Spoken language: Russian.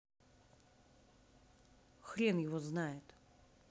хрен его знает